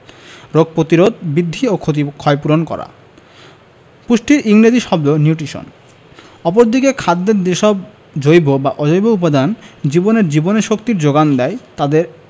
রোগ প্রতিরোধ বৃদ্ধি ও ক্ষয়পূরণ করা পুষ্টির ইংরেজি শব্দ নিউট্রিশন অপরদিকে খাদ্যের যেসব জৈব অথবা অজৈব উপাদান জীবের জীবনীশক্তির যোগান দেয় তাদের